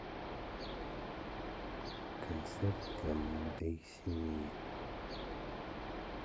концерт для молодых семей